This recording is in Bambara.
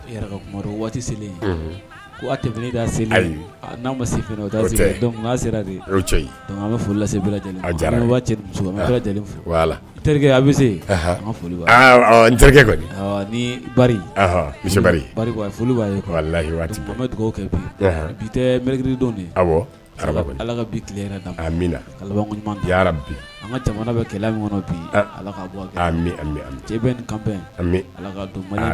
Bɛ se ni dugawu bi bɛ bi